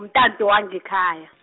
mtato wangekhaya .